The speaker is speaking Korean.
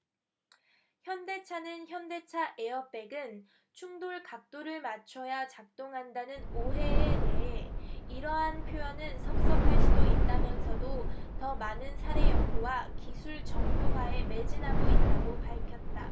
현대차는 현대차 에어백은 충돌 각도를 맞춰야 작동한다는 오해에 대해 이러한 표현은 섭섭할 수도 있다면서도 더 많은 사례 연구와 기술 정교화에 매진하고 있다고 밝혔다